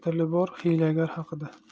tili bor hiylagar haqida